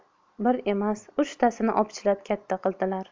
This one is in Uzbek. bir emas uchtasini opichlab katta qildilar